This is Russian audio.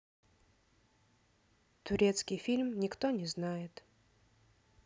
турецкий фильм никто не знает